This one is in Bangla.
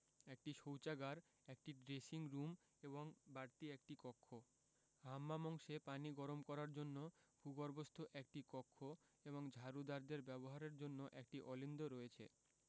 একটি শৌচাগার একটি ড্রেসিং রুম এবং বাড়তি একটি কক্ষ হাম্মাম অংশে পানি গরম করার জন্য ভূগর্ভস্থ একটি কক্ষ এবং ঝাড়ুদারদের ব্যবহারের জন্য একটি অলিন্দ রয়েছে